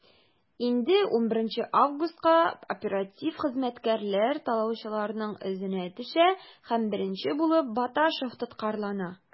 Инде 11 августка оператив хезмәткәрләр талаучыларның эзенә төшә һәм беренче булып Баташев тоткарлана.